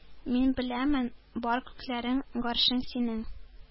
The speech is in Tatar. Мин беләмен, бар күкләрең, гаршең синең